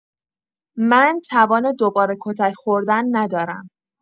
من توان دوباره کتک‌خوردن ندارم.